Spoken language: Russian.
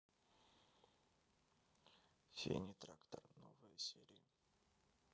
синий трактор новые серии